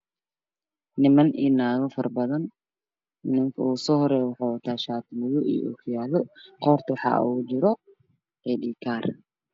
Niman iyo naago fara badan ninka u soo horeeyo waxuu wataa shaati madow iyo ookiyaalo goorta waxaa ugu jiro aydhii kaar